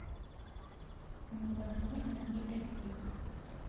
ну возможно не для всех